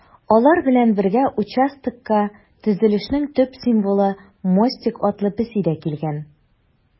Алар белән бергә участокта төзелешнең төп символы - Мостик атлы песи дә килгән.